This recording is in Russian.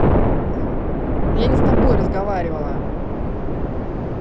я не с тобой разговаривала